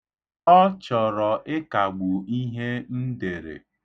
Ọ chọrọ ịkagbu ihe m dere.